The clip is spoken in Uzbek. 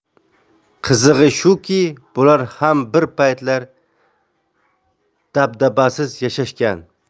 qizig'i shuki bular ham bir paytlar dabdabasiz yashashgan